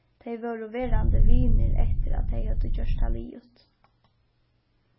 tey vórðu verandi vinir eftir at tey høvdu gjørt tað liðugt